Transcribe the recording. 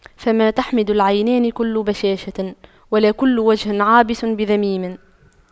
فما تحمد العينان كل بشاشة ولا كل وجه عابس بذميم